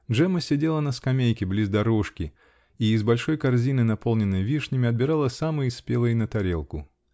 Джемма сидела на скамейке, близ дорожки, и из большой корзины, наполненной вишнями, отбирала самые спелые на тарелку.